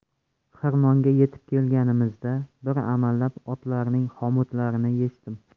xirmonga yetib kelganimizda bir amallab otlarning xomutlarini yechdim